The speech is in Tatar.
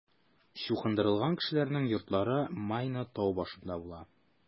Чукындырылган кешеләрнең йортлары Майна тау башында була.